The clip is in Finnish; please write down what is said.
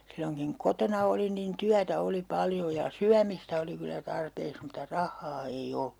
silloinkin kun kotona olin niin työtä oli paljon ja syömistä oli kyllä tarpeeksi mutta rahaa ei ollut